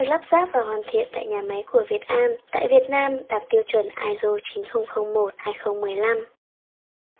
được lắp ráp và hoàn thiện tại nhà máy của việt an tại việt nam đạt tiêu chuẩn iso